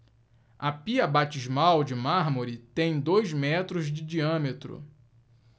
a pia batismal de mármore tem dois metros de diâmetro